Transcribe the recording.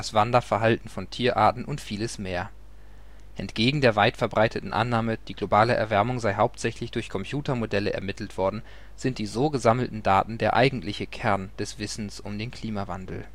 Wanderverhalten von Tierarten und vieles mehr. Entgegen der weit verbreiteten Annahme, die globale Erwärmung sei hauptsächlich durch Computermodelle ermittelt worden, sind die so gesammelten Daten der eigentliche Kern des Wissens um den Klimawandel